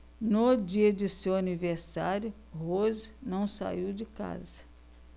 no dia de seu aniversário rose não saiu de casa